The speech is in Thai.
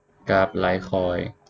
กราฟไลท์คอยน์